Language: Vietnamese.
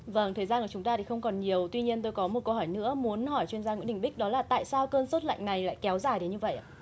vâng thời gian của chúng ta thì không còn nhiều tuy nhiên tôi có một câu hỏi nữa muốn hỏi chuyên gia nguyễn đình bích đó là tại sao cơn sốt lạnh này lại kéo dài đến như vây ạ